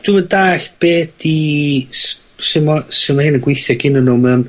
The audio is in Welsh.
...dw'm yn dall be 'di s- su' mo- su' ma' hyn yn gweithio gennyn nw mae o yn